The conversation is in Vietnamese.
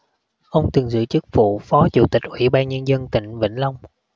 ông từng giữ chức vụ phó chủ tịch ủy ban nhân dân tỉnh vĩnh long